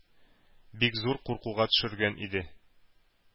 Бик зур куркуга төшергән иде.